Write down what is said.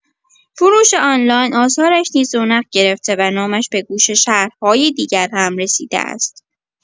فروش آنلاین آثارش نیز رونق گرفته و نامش به گوش شهرهای دیگر هم رسیده است.